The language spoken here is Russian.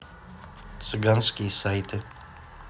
цыганские сайты